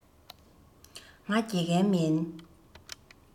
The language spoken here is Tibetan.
ང དགེ རྒན མིན